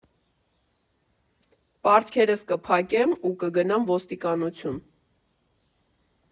«Պարտքերս կփակեմ ու կգնամ ոստիկանություն»։